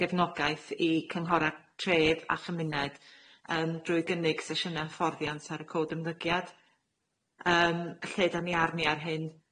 gefnogaeth i cynghorau tref a chymuned yym drwy gynnig sesiynau hyfforddiant ar y cod ymddygiad, yym lle dan ni arni ar hyn,